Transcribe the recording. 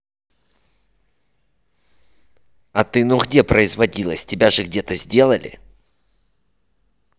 а ты ну где производилась тебя же где то сделали